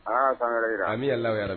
Ala ka San wɛrɛ yira an na. Amina yarabi